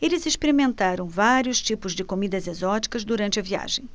eles experimentaram vários tipos de comidas exóticas durante a viagem